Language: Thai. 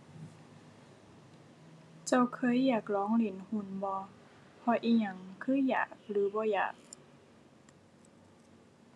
เจ้าเคยอยากลองเล่นหุ้นบ่ เพราะอิหยังคืออยากหรือบ่อยาก